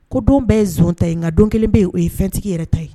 Ko don bɛɛ ye z ta yen nka don kelen bɛ yen o ye fɛntigi yɛrɛ ta ye